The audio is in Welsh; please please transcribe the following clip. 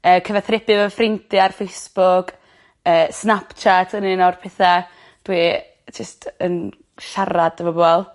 Yy cyfathrebu efo'n ffrindia ar Facebook yy SnapChat yn un o'r petha dwi jyst yn siarad efo bobol.